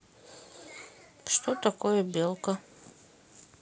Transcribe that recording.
что такое белка